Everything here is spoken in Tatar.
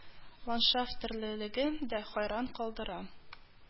Ландшафт төрлелеге дә хәйран калдыра